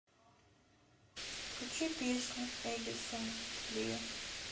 включи песню эдисона ле